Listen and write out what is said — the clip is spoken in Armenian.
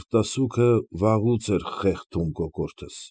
Արտասուքը վաղուց էր խեղդում կոկորդս։